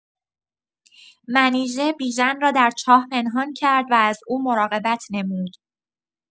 منیژه بیژن را در چاه پنهان کرد و از او مراقبت نمود.